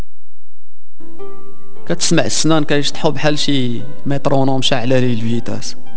تسمع اسنانك ايش تحب هالشي ما ترونه مشعل